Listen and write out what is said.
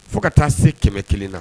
Fo ka taa se 101 na